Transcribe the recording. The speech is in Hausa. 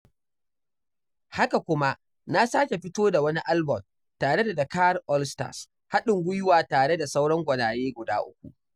Haka kuma na sake fito da wani albon tare da Dakar All Stars, haɗin gwiwa tare da sauran gwaneye guda 3.